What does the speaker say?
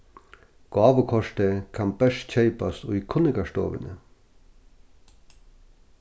gávukortið kann bert keypast í kunningarstovuni